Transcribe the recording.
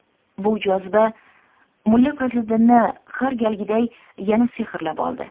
bu joziba mulla fazliddinni har galgiday yana sehrlab oldi